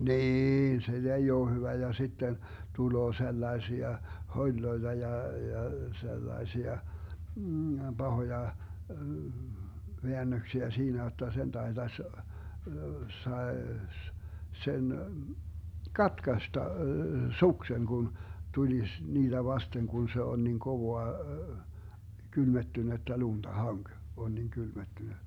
niin se ei ole hyvä ja sitten tulee sellaisia holeja ja ja sellaisia pahoja väännöksiä siinä jotta sen taitaisi saisi sen katkaista suksen kun tulisi niitä vasten kun se on niin kovaa kylmettynyttä lunta hanki kun on niin kylmettynyt